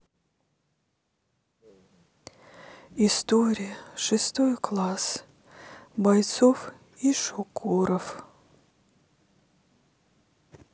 история шестой класс бойцов и шукуров